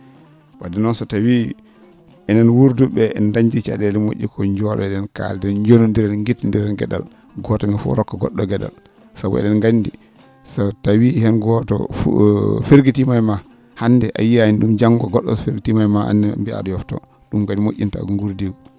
wadde noon so tawii ene wuurdu?e ?ee en dañdii ca?eele mo??e ko joo?o?en kaalden jononndiren gittonndiren ge?al gooto e men fof rokka go??o oo ge?al sabu e?en nganndi so tawii heen gooto fergitiima e ma hannde a yiyaani ?um janngo go??o so fergitiima e ma aan nene mbiyaa a?a yoftoo ?um kadi mo??inta nguurdiingu